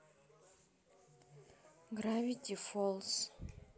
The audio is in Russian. гравити фолс